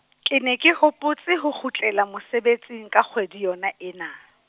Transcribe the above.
ke ne ke hopotse ho kgutlela mosebetsing ka kgwedi yona ena.